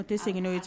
O tɛ segin n'o ye